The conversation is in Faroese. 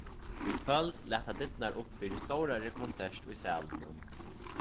í kvøld lata dyrnar upp fyri stórari konsert í salinum